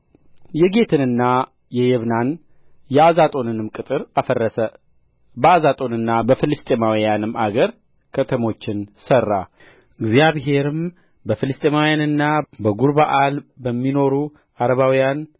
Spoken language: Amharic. የጌትንና የየብናን የአዞጦንንም ቅጥር አፈረሰ በአዛጦንና በፍልስጥኤማውያንም አገር ከተሞችን ሠራ እግዚአብሔርም በፍልስጥኤማውያንና በጉርበኣል በሚኖሩ ዓረባውያን